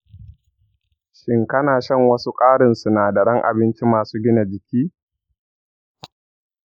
shin kana shan wasu ƙarin sinadaran abinci masu gina jiki?